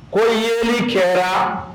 Ko yeeli kɛra